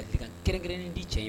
Ladilikan kɛrɛnkɛrɛnnen di cɛ in